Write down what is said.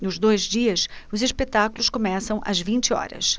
nos dois dias os espetáculos começam às vinte horas